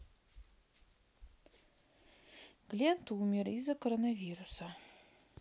глент умер из за коронавируса